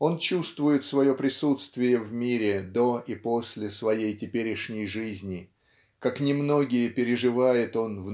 Он чувствует свое присутствие в мире до и после своей теперешней жизни как немногие переживает он